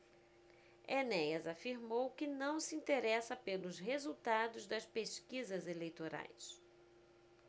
enéas afirmou que não se interessa pelos resultados das pesquisas eleitorais